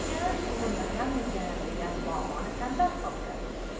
tug'ilmasammikin degan muammoni tanlab opti